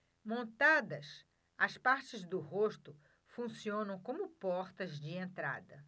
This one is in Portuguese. montadas as partes do rosto funcionam como portas de entrada